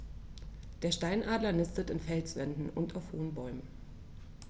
Der Steinadler nistet in Felswänden und auf hohen Bäumen.